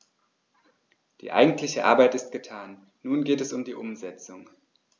Die eigentliche Arbeit ist getan, nun geht es um die Umsetzung.